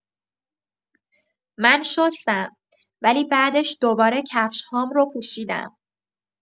من شستم، ولی بعدش دوباره کفش‌هام رو پوشیدم.